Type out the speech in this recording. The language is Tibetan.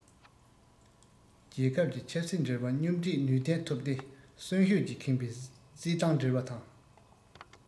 རྒྱལ ཁབ ཀྱི ཆབ སྲིད འབྲེལ བ སྙོམས སྒྲིག ནུས ལྡན ཐུབ སྟེ གསོན ཤུགས ཀྱིས ཁེངས པའི སྲིད ཏང འབྲེལ བ དང